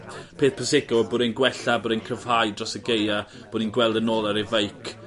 peth pwysica yw bod e'n gwella bod e'n cryfhau dros y gaea bo' ni'n gweld e nôl ar ei feic